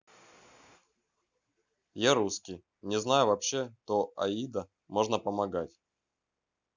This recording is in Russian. я русский не знаю вообще то аида можно помогать